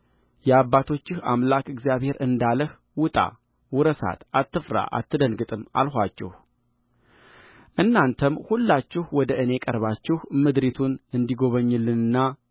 የአባቶችህ አምላክ እግዚአብሔር እንዳለህ ውጣ ውረሳት አትፍራ አትደንግጥም አልኋችሁእናንተም ሁላችሁ ወደ እኔ ቀርባችሁ ምድሪቱን እንዲጎበኙልንና